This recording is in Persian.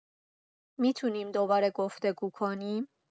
می‌تونیم دوباره گفت‌وگو کنیم؟